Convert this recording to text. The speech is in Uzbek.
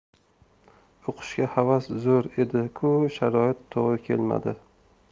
o'qishga havas zo'r edi ku sharoit to'g'ri kelmadi